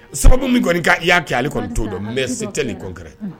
Sababu min kɔni' y'a kɛ ale kɔni to dɔn mɛ si tɛ ni kokɛ